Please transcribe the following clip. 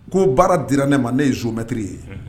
Ko baara dira ne ma ne ye zometiriri ye